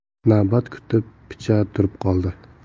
navbat kutib picha turib qoldi